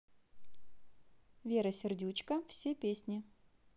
вера сердючка все песни